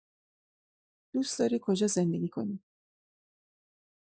دوست‌داری کجا زندگی کنی؟